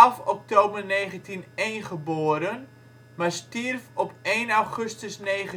op 12 oktober 1901 geboren, maar stierf op 1 augustus 1903